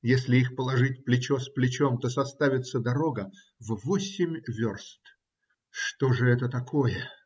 Если их положить плечо с плечом, то составится дорога в восемь верст. Что же это такое?